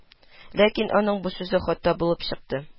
Ләкин аның бу сүзе хата булып чыкты